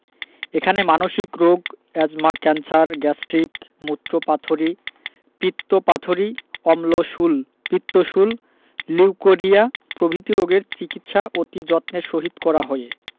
এখানে মানসিক রোগ এ্যজমা ক্যান্সার গ্যাস্ট্রিক মুত্রপাথড়ী পিত্তপাথড়ী অম্লশূল পিত্তশূল লিউকেরিয়া প্রভৃতি রোগের চিকিৎসা অতি যত্নের সহিত করা হয়